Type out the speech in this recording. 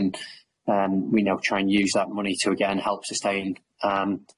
and um we now try and use that money to again help sustain um.